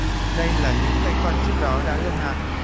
đây là những cây con trước đó đã ươm hạt